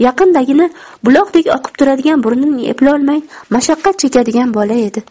yaqindagina buloqdek oqib turadigan burnini eplolmay mashaqqat chekadigan bola edi